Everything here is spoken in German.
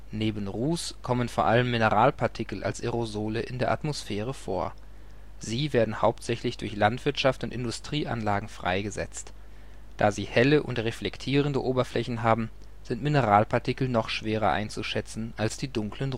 Neben Ruß kommen vor allem Mineralpartikel als Aerosole in der Atmosphäre vor. Sie werden hauptsächlich durch Landwirtschaft und Industrieanlagen freigesetzt. Da sie helle und reflektierende Oberflächen haben, sind Mineralpartikel noch schwerer einzuschätzen als die dunklen